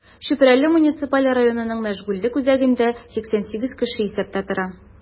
Чүпрәле муниципаль районының мәшгульлек үзәгендә 88 кеше исәптә тора.